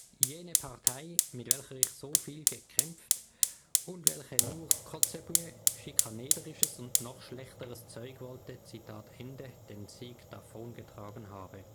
jene Partey, mit welcher ich so viel gekämpft, und welche nur Kotzebue-Schikanederisches und noch Schlechteres Zeug wollte “den Sieg davongetragen habe